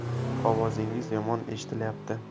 ovozingiz yomon eshitilayapti